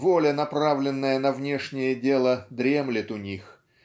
Воля, направленная на внешнее дело, дремлет у них